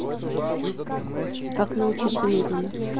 как научиться медленно